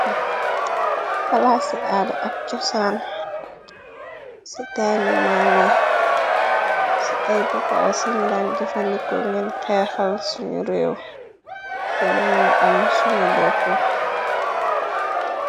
Palasi ci aada ak cosaan ci taaymi mami ci ay bagaas ying dan jafadiko ngir xeexal sunu réew purr ñu mëna am sunu bopú.